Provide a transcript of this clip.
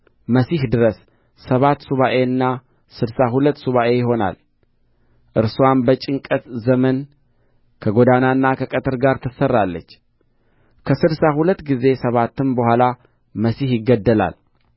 መሢሕ ድረስ ሰባት ሱባዔና ስድሳ ሁለት ሱባዔ ይሆናል እርስዋም በጭንቀት ዘመን ከጎዳናና ከቅጥር ጋር ትሠራለች ከስድሳ ሁለት ጊዜ ሰባትም በኋላ መሢሕ ይገደላል